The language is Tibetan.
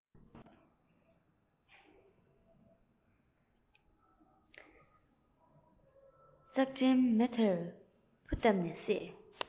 ཙག སྒྲའི མེ དེར ཕུ བཏབ ནས བསད